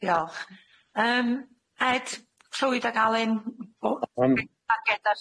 Diolch yym Ed Lwyd ag Alun, be di'ch targeda chi?